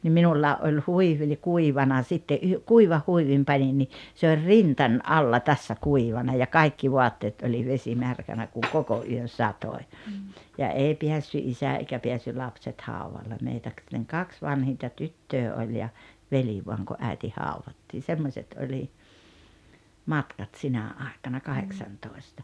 niin minullakin oli huivi oli kuivana sitten - kuivan huivin panin niin se oli rintani alla tässä kuivana ja kaikki vaatteet oli vesimärkänä kun koko yön satoi ja ei päässyt isä eikä päässyt lapset haudalle meitä kaksi vanhinta tyttöä oli ja veli vain kun äiti haudattiin semmoiset oli matkat sinä aikana kahdeksantoista